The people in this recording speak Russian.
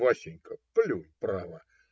Васенька, плюнь, право!